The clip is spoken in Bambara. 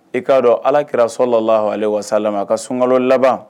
I k'a dɔn alakirara sɔlalaahu aleyihi wa salaam a ka sunkalo laban